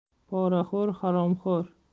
poraxo'r haromxo'r